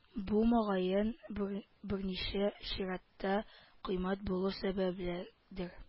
Бу мөгаен берни берничә чиратта кыйммәт булу сәбәпледер